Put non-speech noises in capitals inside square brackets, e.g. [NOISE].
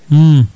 [SMACKS LIPS]